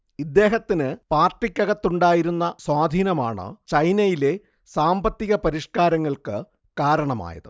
ഇദ്ദേഹത്തിന് പാർട്ടിക്കകത്തുണ്ടായിരുന്ന സ്വാധീനമാണ് ചൈനയിലെ സാമ്പത്തിക പരിഷ്കാരങ്ങൾക്ക് കാരണമായത്